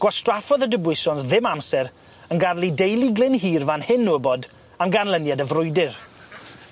Gwastraffodd y Debouisons ddim amser yn gad'el i deulu Glyn Hir fan hyn wbod, am ganlyniad y frwydr.